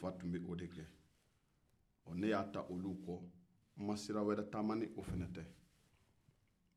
ne fa tun bɛ o de kɛ ne y'a ta olu kɔ n ma sira wɛrɛ taama ni o tɛ